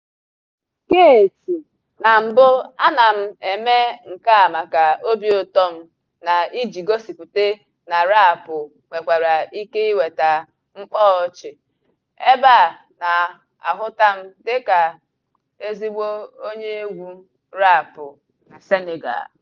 Keyti : Na mbụ ana m eme nke a maka obiụtọ m na iji gosịpụta na raapụ nwekwara ike iweta mkpaọchị, ebe a na-ahụta m dịka ezigbo onyeegwu raapụ na Senegal.